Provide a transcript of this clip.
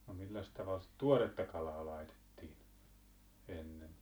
no milläs tavalla sitä tuoretta kalaa laitettiin ennen